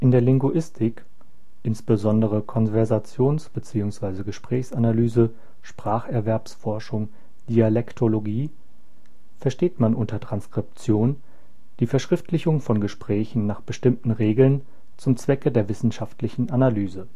der Linguistik (insb. Konversations - bzw. Gesprächsanalyse, Spracherwerbsforschung, Dialektologie) versteht man unter Transkription die Verschriftung von Gesprächen nach bestimmten Regeln zum Zwecke der wissenschaftlichen Analyse